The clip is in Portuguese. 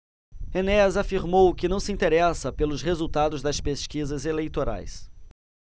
enéas afirmou que não se interessa pelos resultados das pesquisas eleitorais